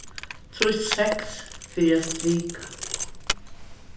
trýst seks fyri at strika